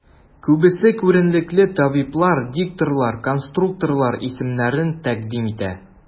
Күбесе күренекле табиблар, дикторлар, конструкторлар исемнәрен тәкъдим итә.